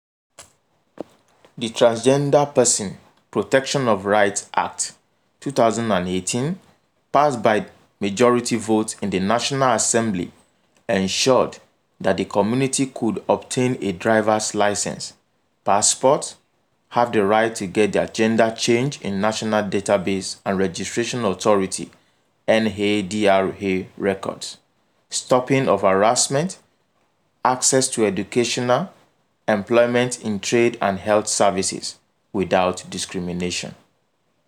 The Transgender Person (Protection of Rights) Act 2018 passed by majority votes in the National Assembly ensured that the community could obtain a driver's license, passport, have the right to get their gender changed in National Database and Registration Authority (NADRA) records, stopping of harassment, access to educational, employment in trade and health services without discrimination.